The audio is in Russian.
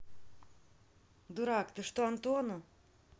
дурак ты что антону